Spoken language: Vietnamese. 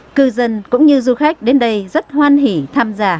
cư dân cũng như du khách đến đây rất hoan hỉ tham gia